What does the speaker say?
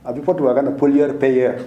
A bɛ fɔ toga ni poliyrirep ye